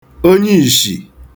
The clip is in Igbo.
onyiìshì